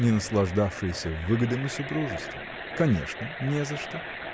не наслаждавшийся выгодами супружества? Конечно, не за что.